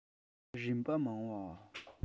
རིམ པ མང བ